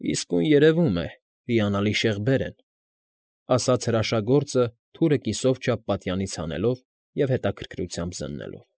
Իսկույն երևում է, հիանալի շեղբեր են,֊ ասաց հրաշագործը՝ թուրը կիսով չափ պատյանից հանելով և հետաքրքրությամբ զննելով։֊